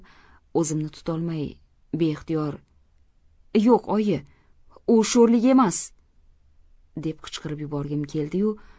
o'zimni tutolmay beixtiyor yo'q oyi u sho'rlik emas deb qichqirib yuborgim keldi yu